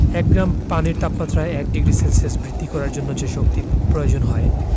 এক গ্রাম পানির তাপমাত্রা ১ ডিগ্রি সেলসিয়াস বৃদ্ধি করার জন্য যে শক্তির প্রয়োজন হয়